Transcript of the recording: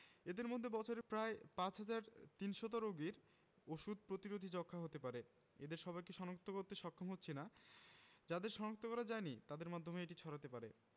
এদের মধ্যে বছরে প্রায় ৫ হাজার ৩০০ রোগীর ওষুধ প্রতিরোধী যক্ষ্মা হতে পারে এদের সবাইকে শনাক্ত করতে সক্ষম হচ্ছি না যাদের শনাক্ত করা যায়নি তাদের মাধ্যমেই এটি ছড়াতে পারে